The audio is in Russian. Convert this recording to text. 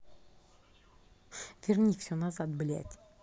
верни все назад блять